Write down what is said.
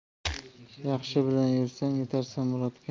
yaxshi bilan yursang yetarsan murodga